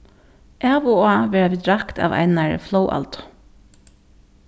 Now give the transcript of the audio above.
av og á verða vit rakt av einari flóðaldu